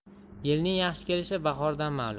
yilning yaxshi kelishi bahordan ma'lum